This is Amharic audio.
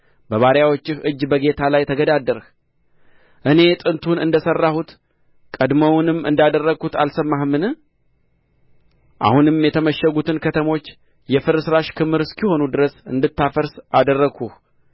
በባሪያዎችህ እጅ በጌታ ላይ ተገዳደርህ እኔ ጥንቱን እንደ ሠራሁት ቀድሞውንም እንዳደረግሁት አልሰማህምን አሁንም የተመሸጉትን ከተሞች የፍርስራሽ ክምር እስኪሆኑ ድረስ እንድታፈርስ አደረግሁህ